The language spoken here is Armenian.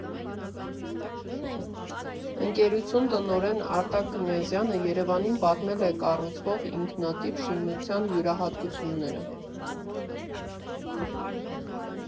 Ընկերություն տնօրեն Արտակ Կնյազյանը ԵՐԵՎԱՆին պատմել է կառուցվող ինքնատիպ շինության յուրահատկությունները։